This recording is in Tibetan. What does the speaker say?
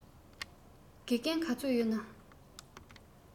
དགེ རྒན ག ཚོད ཡོད ན